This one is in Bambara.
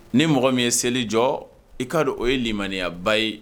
Ni mɔgɔ min ye seli jɔ, i ka dɔn o ye limaniyaba ye